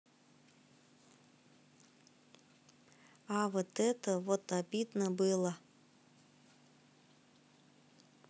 а вот это вот обидно было